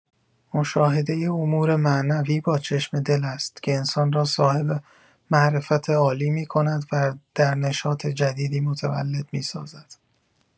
مشاهده امور معنوی با چشم دل است که انسان را صاحب معرفت عالی می‌کند و در نشاط جدیدی متولد می‌سازد.